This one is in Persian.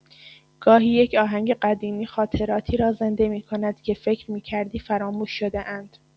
گاهی یک آهنگ قدیمی خاطراتی را زنده می‌کند که فکر می‌کردی فراموش شده‌اند.